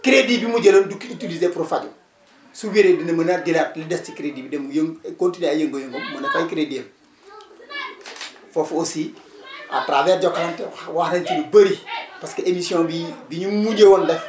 crédit bi mu jëloon du ko utiliser pour faju su wéree dina mënaat jëlaat li des ci crédit bi dem mu yë continuer ay yëngu-yëngam mën a fay crédit am foofu aussi à travers Jokalante wax wax nañu ci lu bëri parce que émission bii bi ñu mujjee woon def